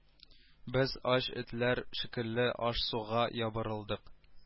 Без ач этләр шикелле аш-суга ябырылдык